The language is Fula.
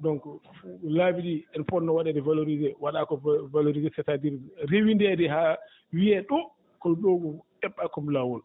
donc laabi ɗi ene poɗnoo waɗeede valorisé waɗaaka valorisé c' est à dire rewindeede haa wiyee ɗo ko ɗo ɗeɓɓa comme laawol